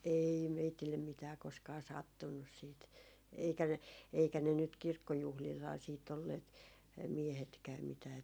ei meille mitään koskaan sattunut sitten eikä ne eikä ne nyt kirkkojuhlillahan sitten olleet miehetkään mitään